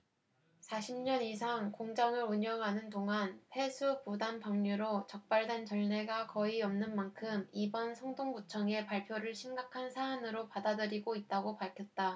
사십 년 이상 공장을 운영하는 동안 폐수 무단 방류로 적발된 전례가 거의 없는 만큼 이번 성동구청의 발표를 심각한 사안으로 받아들이고 있다고 밝혔다